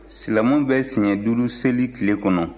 silamɛw bɛ siɲɛ duuru seli tile kɔnɔ